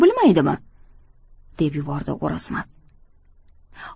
bilmaydimi deb yubordi o'rozmat